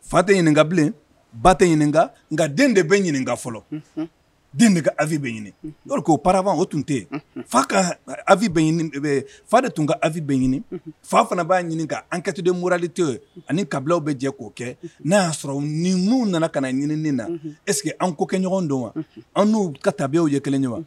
Fa tɛ ɲininka ka bilen ba tɛ ɲininkaka nka den de bɛ ɲini ɲininka fɔlɔ den de ka afi bɛ ɲini oo o tun tɛ fa ka v fa de tun ka a v bɛ ɲini fa fana b'a ɲini k an kɛtoden wurali to ani kabilaw bɛ jɛ k'o kɛ n'a y'a sɔrɔ ni nu nana ka ɲininini na eseke an ko kɛ ɲɔgɔn dɔn wa an n'u ka tabiw ye kelen ɲɔgɔn wa